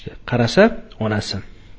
qarasa onasi